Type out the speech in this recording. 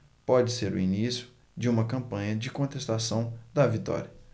pode ser o início de uma campanha de contestação da vitória